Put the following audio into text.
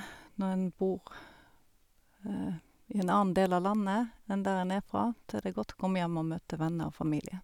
Når en bor i en annen del av landet enn der en er fra, så er det godt å komme hjem og møte venner og familie.